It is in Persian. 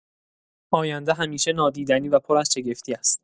آینده همیشه نادیدنی و پر از شگفتی است.